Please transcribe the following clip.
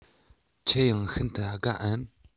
ཁྱེད ཡང ཤིན ཏུ དགའ འམ